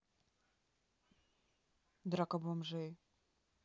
драка бомжей